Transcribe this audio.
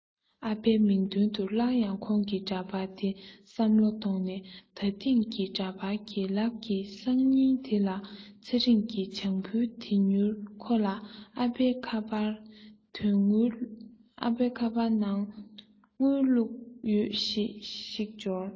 ཨ ཕའི མིག མདུན དུ སླར ཡང གོང གི འདྲ པར དེ བསམ བློ ཐོངས ནས ད ཐེངས ཀྱི འདྲ པར གྱི ལག གི སང ཉིན དེ ལ ཚེ རིང གི བྱང བུའི དེ མྱུར ཁོ ལ ཨ ཕའི ཁ པར ནང དོན དངུལ བླུག ཡོད ཞེས པ ཞིག འབྱོར